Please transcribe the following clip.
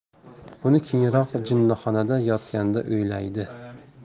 buni keyinroq jinnixonada yotganida o'ylaydi